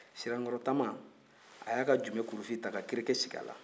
siranikɔrɔ tanba a y'a ka jume kurufin ta ka kirikɛ sigi a la